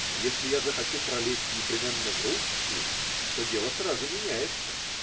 Но если я захочу пролезть непременно в русские, то дело сразу меняется.